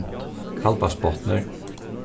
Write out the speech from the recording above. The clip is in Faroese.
kaldbaksbotnur